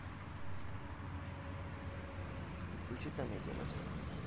включи комедии на свой вкус